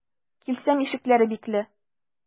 Килсәм, ишекләре бикле.